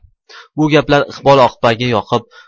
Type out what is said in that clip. bu gaplar iqbol opaga yoqib